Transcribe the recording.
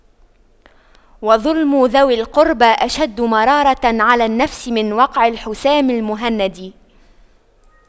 وَظُلْمُ ذوي القربى أشد مرارة على النفس من وقع الحسام المهند